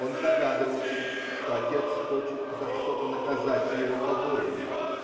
Он догадывался, что отец хочет за что-то наказать его побоями.